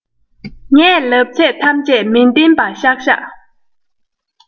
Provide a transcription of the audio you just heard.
ངས ལབ ཚད ཐམས ཅད མི བདེན པ ཤག ཤག